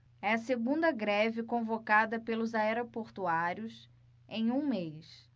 é a segunda greve convocada pelos aeroportuários em um mês